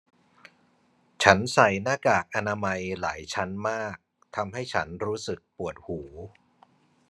ฉันใส่หน้ากากอนามัยหลายชั้นมากทำให้ฉันรู้สึกปวดหู